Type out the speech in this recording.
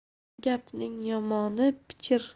gapning yomoni pichir